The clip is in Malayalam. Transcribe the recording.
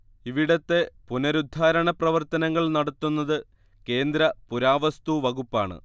ഇവിടത്തെ പുനരുദ്ധാരണ പ്രവർത്തനങ്ങൾ നടത്തുന്നത് കേന്ദ്ര പുരാവസ്തുവകുപ്പാണ്